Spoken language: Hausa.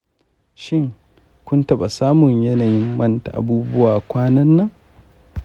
shin, kun taɓa samun yanayin manta abubuwa kwanan nan?